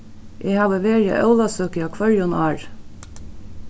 eg havi verið á ólavsøku á hvørjum ári